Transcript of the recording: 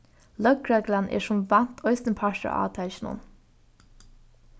løgreglan er sum vant eisini partur av átakinum